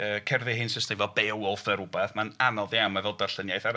Yy cerddi hen Saesneg fel Beowulf neu rywbeth, mae'n anodd iawn, ma' fel darllen iaith arall.